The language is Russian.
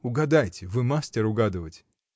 — Угадайте, вы мастер угадывать.